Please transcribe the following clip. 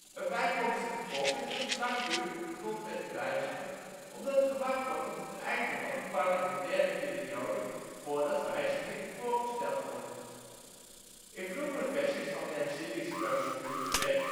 bijkomstig gevolg is dat het lang duurt om de grondwet te wijzigen, omdat gewacht wordt tot het einde van een parlementaire periode voordat wijzigingen voorgesteld worden. In vroegere versies van de herzieningsprocedure werd